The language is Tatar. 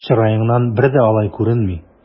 Чыраеңнан бер дә алай күренми!